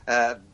yy